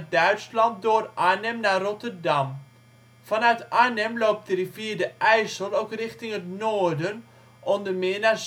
Duitsland, door Arnhem, naar Rotterdam. Vanuit Arnhem loopt de rivier de IJssel ook richting het noorden, onder meer naar